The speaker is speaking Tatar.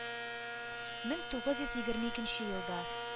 Мең тугыз йөз егерме икнче елда